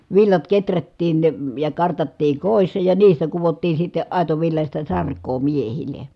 villat kehrättiin ja kartattiin kodissa ja niistä kudottiin sitten aitovillaista sarkaa miehille